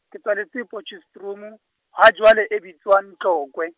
ke tswaletswe Potchefstroom, ha jwale e bitswang Tlokwe.